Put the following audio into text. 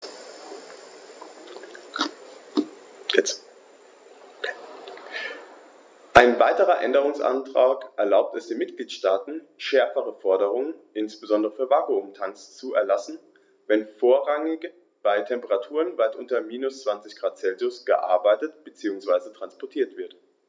Ein weiterer Änderungsantrag erlaubt es den Mitgliedstaaten, schärfere Forderungen, insbesondere für Vakuumtanks, zu erlassen, wenn vorrangig bei Temperaturen weit unter minus 20º C gearbeitet bzw. transportiert wird.